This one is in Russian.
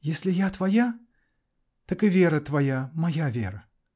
-- Если я твоя, так и вера твоя -- моя вера!